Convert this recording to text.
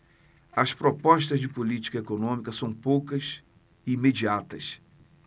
as propostas de política econômica são poucas e imediatas